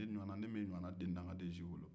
ne m'e ɲɔgɔnna den dakanden si wolo